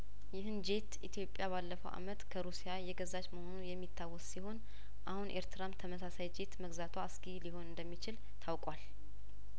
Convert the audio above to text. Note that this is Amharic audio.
ይህን ጄት ኢትዮጵያባለፈው አመት ከሩስያየገዛች መሆኑ የሚታወስ ሲሆን አሁን ኤርትራም ተመሳሳይ ጄት መግዛቷ አስጊ ሊሆን እንደሚችል ታውቋል